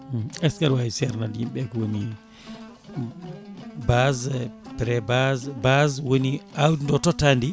est ce que aɗa cerdande yimɓeɓe kowoni base pré-base base woni awdi ndi o totta ndi